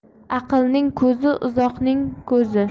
aqlning ko'zi uzoqning ko'zi